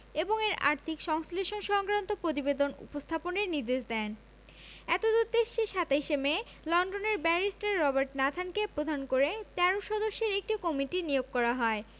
এবং এর আর্থিক সংশ্লেষ সংক্রান্ত প্রতিবেদন উপস্থাপনের নির্দেশ দেন এতদুদ্দেশ্যে ২৭ মে লন্ডনের ব্যারিস্টার রবার্ট নাথানকে প্রধান করে ১৩ সদস্যের একটি কমিটি নিয়োগ করা হয়